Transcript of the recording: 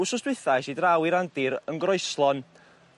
Wsos dwetha es i ddraw i randir yn Groeslon